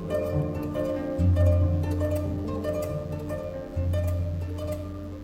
Maa